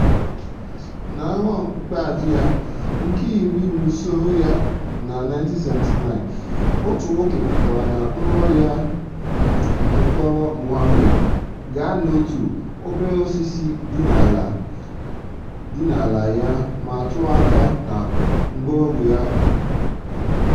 Na nrọ ikpeazụ ya, nke iri n'usoro ya na 1979, otu nwoke pụtara na nrọ ya nke kpọọrọ Mohammed gaa n'otu obere osisi dị n'ala ya ma tụọ aka na mgbọrọgwụ ya.